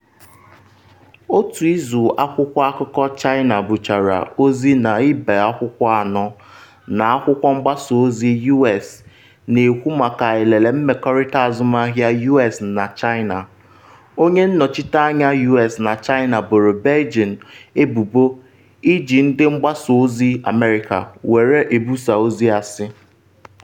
Otu izu akwụkwọ akụkọ China buchara ozi n’ibe akwụkwọ anọ n’akwụkwọ mgbasa ozi U.S na-ekwu maka elele mmekọrịta azụmahịa U.S.-China, onye nnọchite anya U.S na China boro Beijing ebubo iji ndị mgbasa ozi America were ebusa ozi asị.